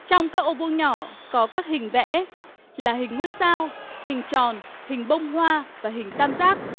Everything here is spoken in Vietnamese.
trong các ô vuông nhỏ có các hình vẽ là hình ngôi sao hình tròn hình bông hoa và hình tam giác